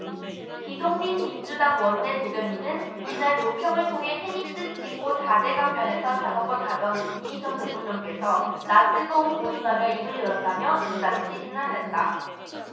기동민 민주당 원내대변인은 이날 논평을 통해 테니스 치고 사 대 강변에서 자전거 타던 이 전 대통령께서 낯 뜨거움 운운하며 입을 열었다며 이같이 비난했다